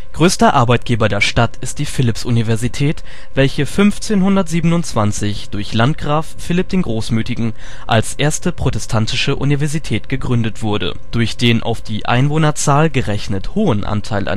Größter Arbeitgeber der Stadt ist die Philipps-Universität, welche 1527 durch Landgraf Philipp den Großmütigen als erste protestantische Universität gegründet wurde. Durch den auf die Einwohnerzahl gerechnet hohen Anteil